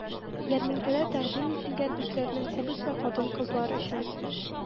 Ярминкәдә тәкъдим ителгән эшләрнең күбесе хатын-кызлар өчен.